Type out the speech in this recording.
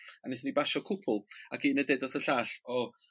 A nethon ni basio cwpwl ac un yn deud wrth y llall o